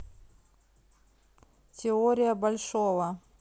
теория большого